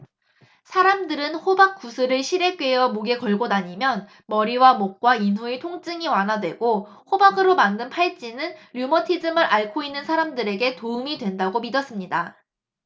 사람들은 호박 구슬을 실에 꿰어 목에 걸고 다니면 머리와 목과 인후의 통증이 완화되고 호박으로 만든 팔찌는 류머티즘을 앓고 있는 사람들에게 도움이 된다고 믿었습니다